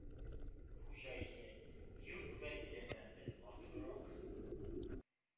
Хуҗа исә: Юк, вәзир әфәнде, артыграк.